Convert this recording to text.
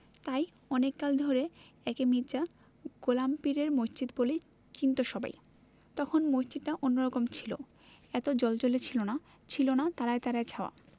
তাই অনেক কাল ধরে একে মির্জা গোলাম পীরের মসজিদ বলেই চিনতো সবাই তখন মসজিদটা অন্যরকম ছিল এত জ্বলজ্বলে ছিল না ছিলনা তারায় তারায় ছাওয়া